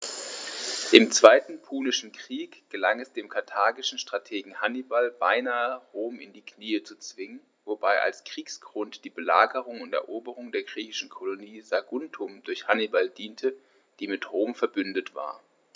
Im Zweiten Punischen Krieg gelang es dem karthagischen Strategen Hannibal beinahe, Rom in die Knie zu zwingen, wobei als Kriegsgrund die Belagerung und Eroberung der griechischen Kolonie Saguntum durch Hannibal diente, die mit Rom „verbündet“ war.